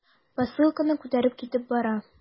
Посылканы күтәреп китеп бара.